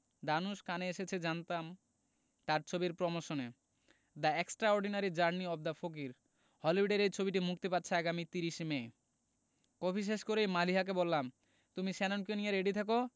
ধানুশ কানে এসেছে জানতাম তার ছবির প্রমোশনে the extraordinary journey of the fakir হলিউডের এই ছবিটি মুক্তি পাচ্ছে আগামী ৩০ মে কফি শেষ করেই মালিহাকে বললাম তুমি শ্যাননকে নিয়ে রেডি থেকো